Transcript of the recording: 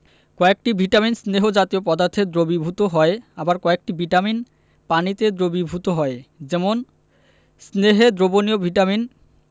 কয়েকটি ভিটামিন স্নেহ জাতীয় পদার্থে দ্রবীভূত হয় আবার কয়েকটি ভিটামিন পানিতে দ্রবীভূত হয় যেমন স্নেহে দ্রবণীয় ভিটামিন